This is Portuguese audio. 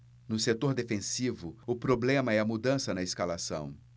no setor defensivo o problema é a mudança na escalação